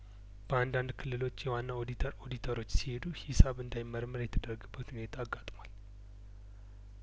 በአንዳንድ ክልሎች የዋናው ኦዲተር ኦዲተሮች ሲሄዱ ሂሳቡ እንዳይመረመር የተደረገበት ሁኔታ አጋጥሟል